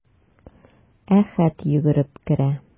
Әхәт йөгереп керә.